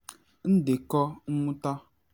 Ndekọ Mmụta